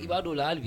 B'a la a hali